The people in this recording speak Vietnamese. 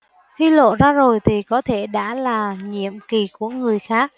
khi lộ ra rồi thì có thể đã là nhiệm kỳ của người khác